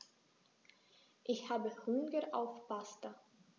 Ich habe Hunger auf Pasta.